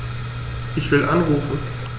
Ich will anrufen.